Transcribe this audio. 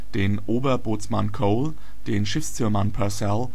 den (Ober -) Bootsmann Cole, den Schiffszimmermann Purcell